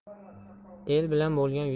el bilan bo'lgan